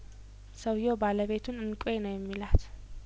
ሰውዬው ባለቤቱን እንቋ ነው የሚላት